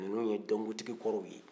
ninnu ye dɔnkotigi kɔrɔw ye